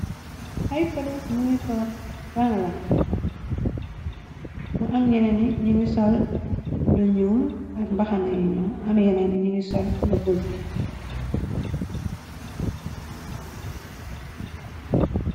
Hay palis ñu ngi toog rangalant, ma am yenee ni ñu ngi sol lu ñuul, ak mbaxana yiñoo, am yeneeni ñu ngi sol la bula.